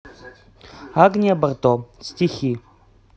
агния барто стихи